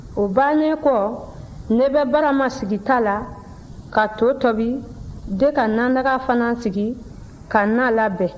o bannen kɔ ne bɛ barama sigi ta la ka to tobi de ka nadaga fana sigi ka na labɛn